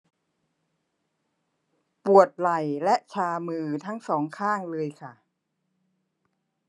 ปวดไหล่และชามือทั้งสองข้างเลยค่ะ